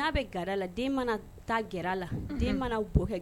N'a bɛ ga la den mana ta g la den mana